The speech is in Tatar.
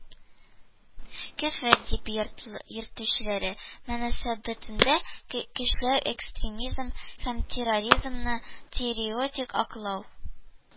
- «көфер» дип йөртелүчеләр мөнәсәбәтендә, көчләү, экстремизм һәмтерроризмны теоретик аклау;